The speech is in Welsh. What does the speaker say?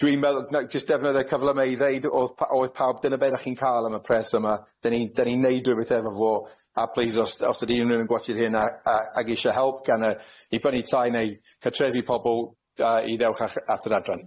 Dwi'n meddwl na- jyst defnyddio cyflyma i ddeud o'dd pa- oedd pawb dyna be' dach chi'n ca'l am y pres yma, dyn ni'n dyn ni'n neud rwbeth efo fo, a plîs os os ydi unrhywun yn gwatsio'r hyn a a ag isie help gan yy i brynu tai neu cartrefi pobol yy i ddewch a ch- at yr adran.